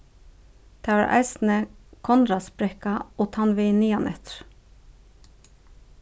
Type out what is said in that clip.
tað var eisini konradsbrekka og tann vegin niðaneftir